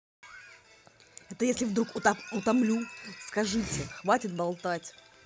это если вдруг утомлю скажите хватит болтать